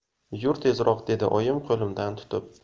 yur tezroq dedi oyim qo'limdan tutib